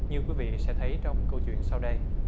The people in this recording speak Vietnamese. như quý vị sẽ thấy trong câu chuyện sau đây